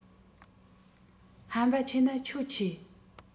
ཧམ པ ཆེ ན ཁྱོད ཆེ